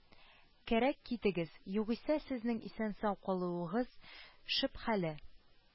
Кәрәк китегез, югыйсә сезнең исән-сау калуыгыз шөбһәле